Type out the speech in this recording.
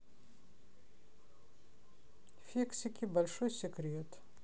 фиксики большой секрет